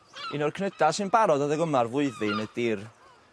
Un o'r cnyda sy'n barod adeg yma o'r flwyddyn ydi'r